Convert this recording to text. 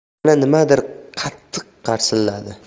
yana nimadir qattiq qarsilladi